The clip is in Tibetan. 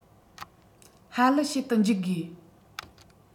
ཧ ལི བྱེད དུ འཇུག དགོས